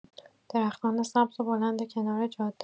درختان سبز و بلند کنار جاده